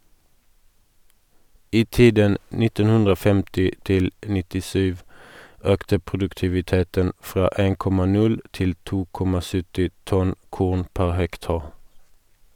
I tiden 1950-97 økte produktiviteten fra 1,0 til 2,70 tonn korn pr. hektar.